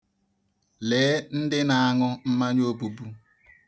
Lee ndị na-anụ̇ mmanya obubu.